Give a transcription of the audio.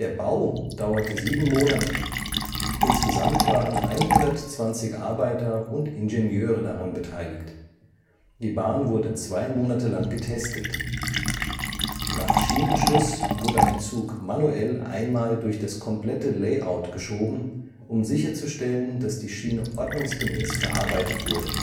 Bau dauerte sieben Monate, insgesamt waren 120 Arbeiter und Ingenieure daran beteiligt. Die Bahn wurde zwei Monate lang getestet. Nach Schienenschluss wurde ein Zug manuell einmal durch das komplette Layout geschoben, um sicherzustellen, dass die Schiene ordnungsgemäß verarbeitet wurde